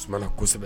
kosɛbɛ